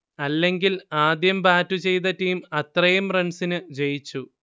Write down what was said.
അല്ലെങ്കിൽ ആദ്യം ബാറ്റു ചെയ്ത ടീം അത്രയും റൺസിനു ജയിച്ചു